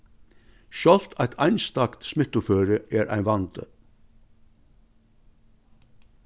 sjálvt eitt einstakt smittuføri er ein vandi